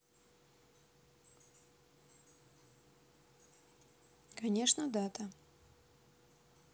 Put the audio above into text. конечно дата